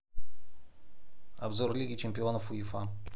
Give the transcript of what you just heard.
обзор лиги чемпионов уефа